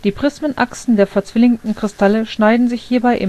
Prismenachsen der verzwillingten Kristalle schneiden sich hierbei